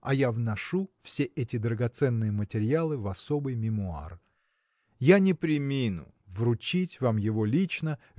а я вношу все эти драгоценные материалы в особый мемуар. Я не премину вручить вам его лично